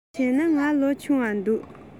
འོ བྱས ན ང ལོ ཆུང བ འདུག